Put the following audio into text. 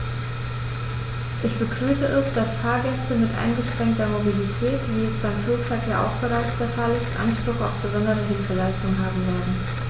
Ich begrüße es, dass Fahrgäste mit eingeschränkter Mobilität, wie es beim Flugverkehr auch bereits der Fall ist, Anspruch auf besondere Hilfeleistung haben werden.